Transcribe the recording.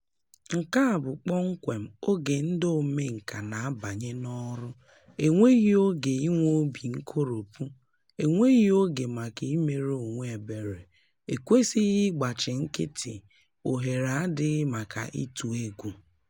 Nke a bụ kpọmkwem oge ndị omenka na-abanye n'ọrụ. E nweghị oge inwe obi nkoropụ, e nweghị oge maka imere onwe ebere, e kwesịghị ịgbachi nkịtị, ohere adịghị maka ịtụ egwu.